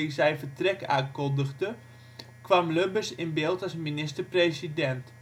zijn vertrek aankondigde, kwam Lubbers in beeld als minister-president